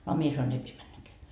a minä sanoin ei pidä mennäkään